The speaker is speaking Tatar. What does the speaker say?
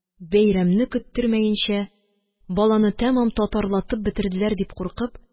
Бәйрәмне көттермәенчә, баланы тәмам татарлатып бетерделәр дип куркып